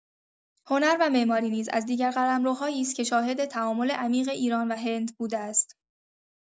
هنر و معماری نیز از دیگر قلمروهایی است که شاهد تعامل عمیق ایران و هند بوده است.